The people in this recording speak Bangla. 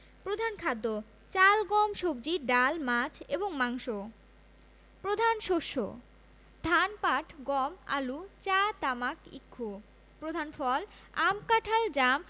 প্রধান খাদ্যঃ চাল গম সবজি ডাল মাছ এবং মাংস প্রধান শস্যঃ ধান পাট গম আলু চা তামাক ইক্ষু প্রধান ফলঃ আম কাঁঠাল জাম